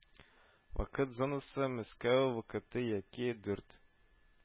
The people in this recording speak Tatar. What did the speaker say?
Вакыт зонасы Мәскәү вакыты яки дүрт